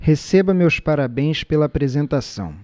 receba meus parabéns pela apresentação